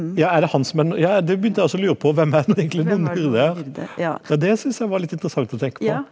ja er det han som er ja ja det begynte jeg også lure på, hvem er nå egentlig den onde hyrde her, ja det syns jeg var litt interessant å tenke på.